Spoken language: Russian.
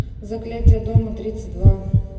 заклятие дома тридцать два